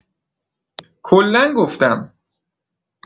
کلا گفتم